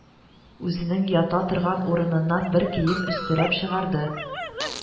Үзенең ята торган урыныннан бер кием өстерәп чыгарды